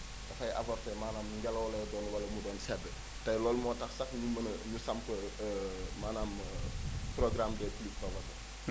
dafay avorté maanaam ngelaw lay doon wala mu doon sedd tey loolu moo tax sax ñu mën a énu samp maanaam programme de de pluie provoquée